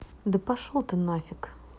ну пошел ты нафиг